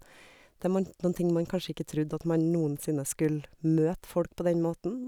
Det man noen ting man kanskje ikke trodde, at man noen sinne skulle møte folk på den måten.